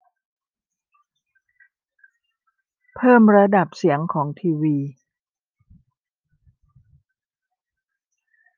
เพิ่มระดับเสียงของทีวี